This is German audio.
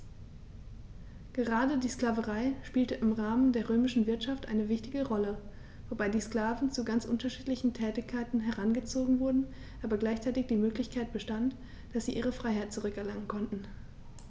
Gerade die Sklaverei spielte im Rahmen der römischen Wirtschaft eine wichtige Rolle, wobei die Sklaven zu ganz unterschiedlichen Tätigkeiten herangezogen wurden, aber gleichzeitig die Möglichkeit bestand, dass sie ihre Freiheit zurück erlangen konnten.